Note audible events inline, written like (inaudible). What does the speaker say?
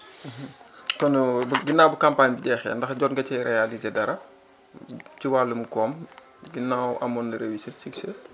(hesitation) (hesitation) (noise) kon (noise) ginnaaw ba campagne bi jeexee ndax jot nga cee réalisé dara ci wàllum koom ginnaaw amoon na réussite succès